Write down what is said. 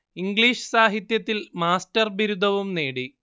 English സാഹിത്യത്തിൽ master ബിരുദവും നേടി